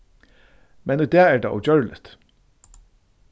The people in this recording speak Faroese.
men í dag er tað ógjørligt